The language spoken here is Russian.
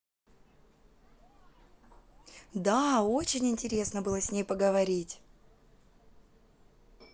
да очень интересно было с ней поговорить